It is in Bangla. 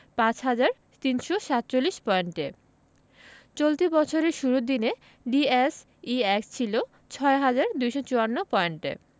৫ হাজার ৩৪৭ পয়েন্টে চলতি বছরের শুরুর দিনে ডিএসইএক্স ছিল ৬ হাজার ২৫৪ পয়েন্টে